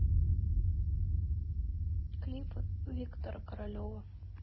клипы виктора королева